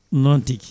noon tigui